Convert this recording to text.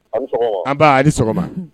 An ni sɔgɔma